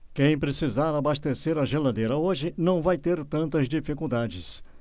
quem precisar abastecer a geladeira hoje não vai ter tantas dificuldades